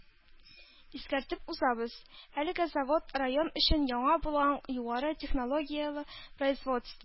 Искәртеп узабыз, әлеге завод – район өчен яңа булган югары технологияле производство